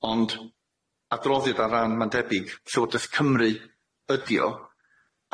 Ond adroddiad ar ran ma'n debyg Llywodraeth Cymru ydi o,